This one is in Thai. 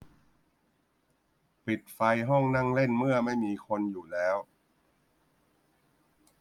ปิดไฟห้องนั่งเล่นเมื่อไม่มีคนอยู่แล้ว